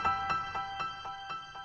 chào bác